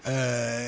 Ɛɛ